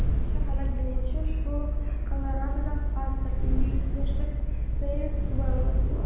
Икенче һәлак булучы шул ук Колорадодан пастор - 52 яшьлек Пэрис Уоллэс була.